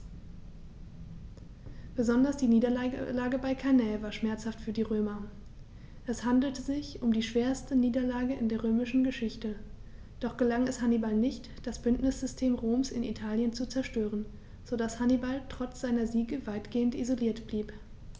Besonders die Niederlage bei Cannae war schmerzhaft für die Römer: Es handelte sich um die schwerste Niederlage in der römischen Geschichte, doch gelang es Hannibal nicht, das Bündnissystem Roms in Italien zu zerstören, sodass Hannibal trotz seiner Siege weitgehend isoliert blieb.